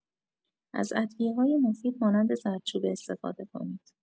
از ادویه‌های مفید مانند زردچوبه استفاده کنید.